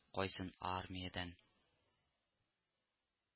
Кайсын армиядән